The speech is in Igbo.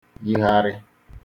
yiharị